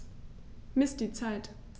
Miss die Zeit.